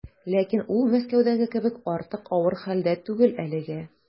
Ләкин ул Мәскәүдәге кебек артык авыр хәлдә түгел әлегә.